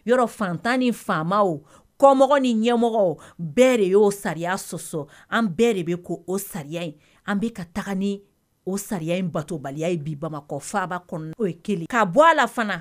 Yarɔ fantan ni faama o, kɔmɔgɔ ni ɲɛmɔgɔ o. Bɛɛ de y'o sariya sɔsɔ. an bɛɛ de bɛ ko o sariya in, an bɛ ka ka taa ni o sariya in batobaliya ye bi bamakɔ faaba kɔno. N'o ye 1 k'a bɔ a la fana